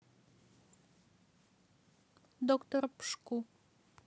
доктор пшку